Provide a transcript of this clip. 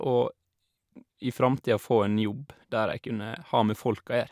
Og i framtida få en jobb der jeg kunne ha med folk å gjøre.